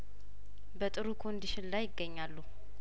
በጥሩ ኮንዲሽን ላይ ይገኛሉ